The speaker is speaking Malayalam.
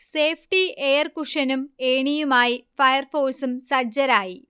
സേഫ്ടി എയർ കുഷനും ഏണിയുമായി ഫയർ ഫോഴ്സും സജ്ജരായി